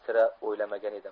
sira o'ylamagan edim